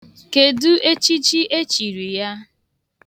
Kedụ echichi e chiri ya?